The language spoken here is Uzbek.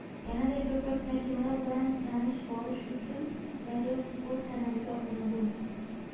yanada ko'proq tarjimalar bilan tanish borish uchun daryo sport kanaliga obuna bo'ling